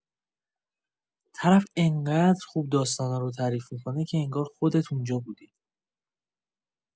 طرف انقدر خوب داستانا رو تعریف می‌کنه که انگار خودت اونجا بودی.